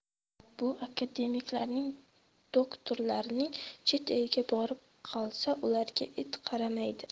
bu akademiklaring do'kturlaring chet elga borib qolsa ularga it qaramaydi